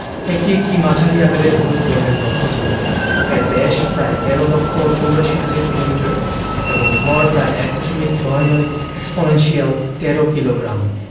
এটি একটি মাঝারি আকারের হলুদ বর্ণের নক্ষত্র এর ব্যাস প্রায় ১৩ লক্ষ ৮৪ হাজার কিলোমিটার এবং ভর প্রায় এক দশমিক নয় নয় এক্সপনেনশিয়াল ১৩ কিলোগ্রাম